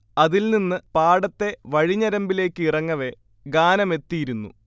അതിൽ നിന്ന് പാടത്തെ വഴിഞരമ്പിലേക്ക് ഇറങ്ങവെ ഗാനമെത്തിയിരുന്നു